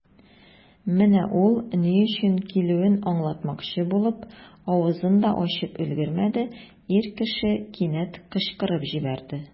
Менә ул, ни өчен килүен аңлатмакчы булыш, авызын да ачып өлгермәде, ир кеше кинәт кычкырып җибәрде.